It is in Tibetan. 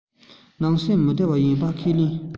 ནང སེམས མི བདེ བ ཡིན པ ཁས ལེན